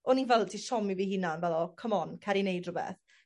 o'n i fel 'di siomi fy hunan fel o come on cer i neud rwbeth.